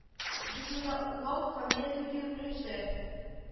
Без монда унау, Камилә түти унберенче